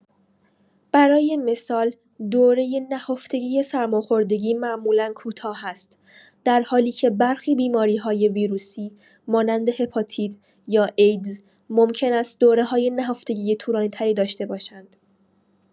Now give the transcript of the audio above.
برای مثال، دوره نهفتگی سرماخوردگی معمولا کوتاه است، در حالی که برخی بیماری‌های ویروسی مانند هپاتیت یا ایدز ممکن است دوره‌های نهفتگی طولانی‌تری داشته باشند.